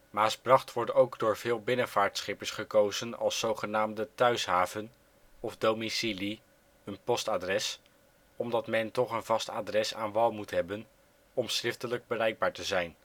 Maasbracht wordt ook door veel binnenvaartschippers gekozen als zogenaamde " thuishaven ", of domicilie (een postadres), omdat men toch een vast adres aan wal moet hebben om schriftelijk bereikbaar te zijn